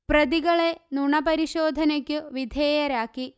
പ്രതികളെ നുണപരിശോധനയ്ക്കു വിധേയരാക്കി